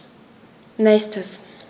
Nächstes.